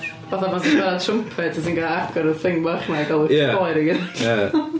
Fatha pan ti'n chwarae trwmped a ti'n gorfod agor y thing bach 'na... Ia... i gael y poer i gyd allan.